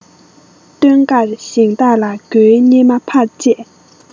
སྟོན ཀར ཞིང བདག ལ མགོའི སྙེ མ ཕར བཅད